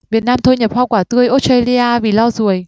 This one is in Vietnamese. việt nam thôi nhập hoa quả tươi australia vì lo ruồi